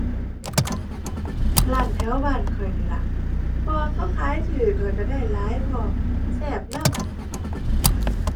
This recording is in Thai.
ร้านแถวบ้านข้อยนี่ล่ะ เพราะว่าเขาขายถูกแล้วถูกได้หลายพร้อม แซ่บนำ